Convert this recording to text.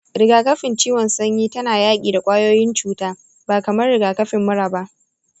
eh, rigakafin ciwon sanyi tana yaki da ƙwayoyin cuta, ba kamar rigakafin mura ba.